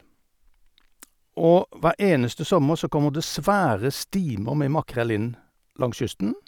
Og hver eneste sommer så kommer det svære stimer med makrell inn langs kysten.